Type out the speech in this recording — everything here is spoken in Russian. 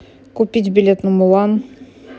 купить билет на мулан